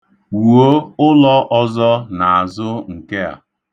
Wuo ụlọ ọzọ n'azụ nke a.